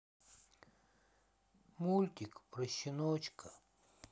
мультик про щеночка